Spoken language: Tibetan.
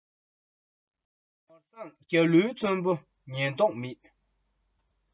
བུ མོ རྒྱན དང གོས ཀྱིས སྤུད གྱུར ཀྱང